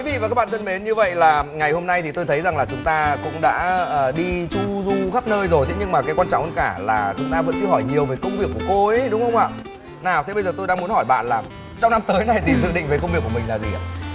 quý vị và các bạn thân mến như vậy là ngày hôm nay thì tôi thấy rằng là chúng ta cũng đã à đi chu du khắp nơi rồi thế nhưng mà cái quan trọng hơn cả là chúng ta vẫn chưa hỏi nhiều về công việc của cô ấy đúng không ạ nào thế bây giờ tôi đang muốn hỏi bạn làm trong năm tới dự định về công việc của mình là gì ạ